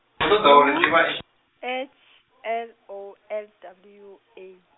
U H L O L W A.